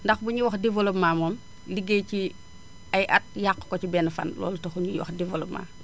ndax buénuy wax développement moom liggéey ci ay at yàq ko ci benn fan loolu taxul ñuy wax développement